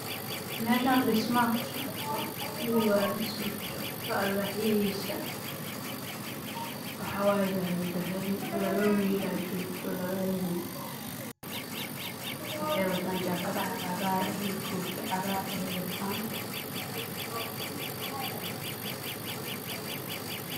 Meeshaan waa guri dhismo ka socdo